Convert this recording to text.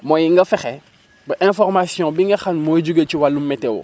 mooy nga fexe ba information bi nga xam moo jugee ci wàllu météo